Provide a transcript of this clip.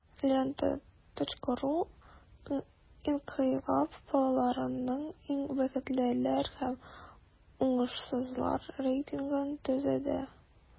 "лента.ру" инкыйлаб балаларының иң бәхетлеләр һәм уңышсызлар рейтингын төзеде.